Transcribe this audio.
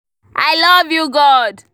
I love you god!